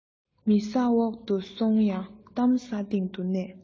མི ས འོག དུ སོང ཡང གཏམ ས སྟེང དུ གནས